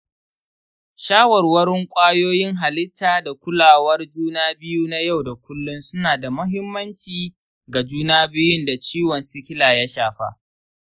shawarwarin kwayoyin halitta da kulawar juna biyu na yau da kullum suna da muhimmanci ga juna biyun da ciwon sikila ya shafa.